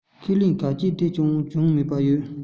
ཁས ལེན གཱ སྤྱད དེ ཅུང གྱོང མེད པ ཡོད